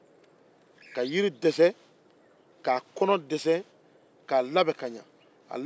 ka jiri kɔnɔ dɛsɛ k'a labɛn ka ɲɛ